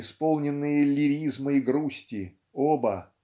исполненные лиризма и грусти оба